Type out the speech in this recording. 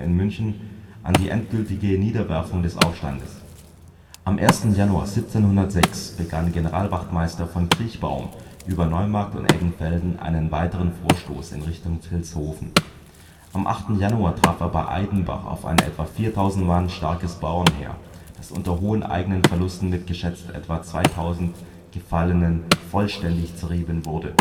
München an die endgültige Niederwerfung des Aufstandes. Am 1. Januar 1706 begann Generalwachtmeister von Kriechbaum über Neumarkt und Eggenfelden einen weiteren Vorstoß in Richtung Vilshofen. Am 8. Januar traf er bei Aidenbach auf ein etwa 4.000 Mann starkes Bauernheer, das unter hohen eigenen Verlusten mit geschätzt etwa 2.000 Gefallenen vollständig zerrieben wurde